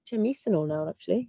Tua mis yn ôl nawr, acshyli.